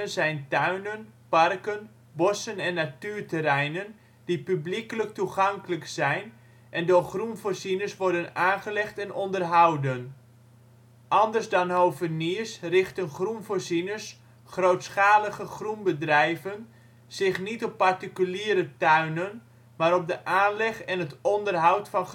zijn tuinen, parken, bossen en natuurterreinen die publiekelijk toegankelijk zijn en door groenvoorzieners worden aangelegd en onderhouden. Anders dan hoveniers richten groenvoorzieners, grootschalige groenbedrijven zich niet op particuliere tuinen, maar op de aanleg en het onderhoud van